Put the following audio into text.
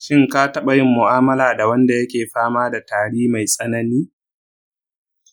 shin ka taba yin mu'amala da wanda yake fama da tari mai tsanani?